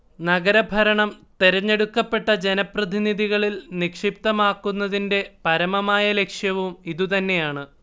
നഗരഭരണം തെരഞ്ഞെടുക്കപ്പെട്ട ജനപ്രതിനിധികളിൽ നിക്ഷിപ്തമാക്കുന്നതിന്റെ പരമമായ ലക്ഷ്യവും ഇതുതന്നെയാണ്